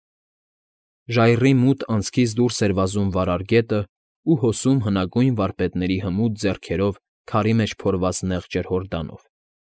Ժայռի մութ անցքից դուրս էր վազում վարար գետն ու հոսում հնագույն վարպետների հմուտ ձեռքերով քարի մեջ փորված նեղ ջրհորդանով։